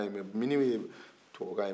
miniwi ye dubabukan ye